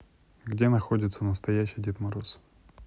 где находится настоящий дед мороз